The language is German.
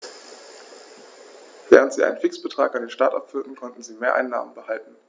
Während sie einen Fixbetrag an den Staat abführten, konnten sie Mehreinnahmen behalten.